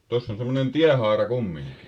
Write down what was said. tuossa on semmoinen tienhaara kumminkin